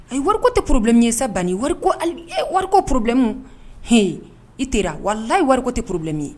A ye wariko tɛ porobimi ye saban ni wariko porolɛmu h i tɛ walilayi ye wariko tɛ porobimi ye